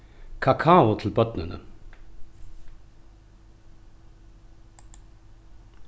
kakao til børnini